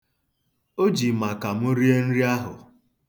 O ji maka m rie nri ahụ.